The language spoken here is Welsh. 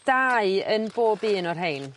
dau yn bob un o'r rhein